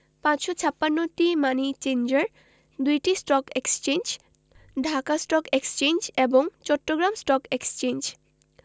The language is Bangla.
৫৫৬টি মানি চেঞ্জার ২টি stock exchange Dhaka stock exchange এবং চট্টগ্রাম স্টক এক্সচেঞ্জ